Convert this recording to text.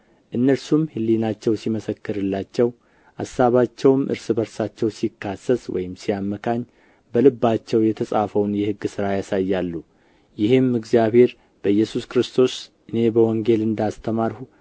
እነርሱም ሕሊናቸው ሲመሰክርላቸው አሳባቸውም እርስ በርሳቸው ሲካሰስ ወይም ሲያመካኝ በልባቸው የተጻፈውን የሕግ ሥራ ያሳያሉ ይህም እግዚአብሔር በኢየሱስ ክርስቶስ እኔ በወንጌል እንዳስተማርሁ